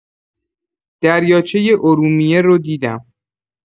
دریاچه ارومیه رو دیدم.